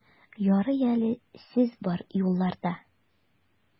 Ярый әле сез бар юлларда!